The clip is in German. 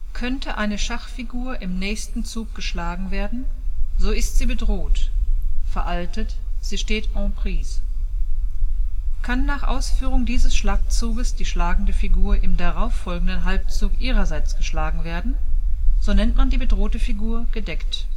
Könnte eine Schachfigur im nächsten Zug geschlagen werden, so ist sie bedroht (veraltet: sie steht en prise). Kann nach Ausführung dieses Schlagzuges die schlagende Figur im darauf folgenden Halbzug ihrerseits geschlagen werden, so nennt man die bedrohte Figur gedeckt